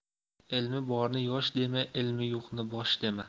ilmi borni yosh dema ilmi yo'qni bosh dema